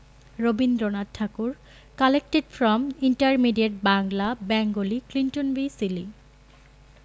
Rabindranath Thakur collected from intermediate Bangla Bengali Clinton B Seely